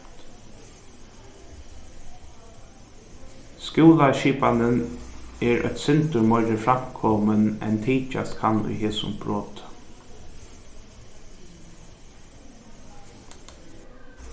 skúlaskipanin er eitt sindur meiri framkomin enn tykjast kann í hesum broti